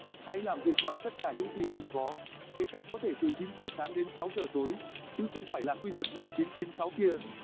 hãy làm việc bằng tất cả những gì mình có kế cả có thể từ giờ sáng đến giờ tối chứ không phải là quy luật ngầm kia